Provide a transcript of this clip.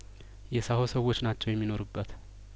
የሳሆ ሰዎች ናቸው የሚኖሩበት